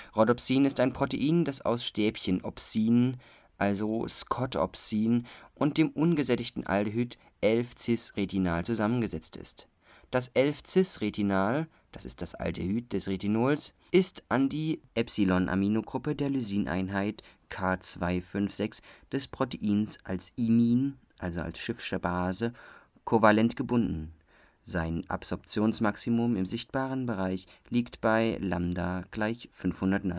Rhodopsin ist ein Protein, das aus Stäbchen-Opsin (Skotopsin) und dem ungesättigten Aldehyd 11-cis-Retinal zusammengesetzt ist. Das 11-cis-Retinal (Aldehyd des Retinols) ist an die ε-Aminogruppe der Lysin-Einheit K256 des Proteins als Imin (Schiffsche Base) kovalent gebunden. Sein Absorptionsmaximum im sichtbaren Bereich liegt bei λ = 500 nm.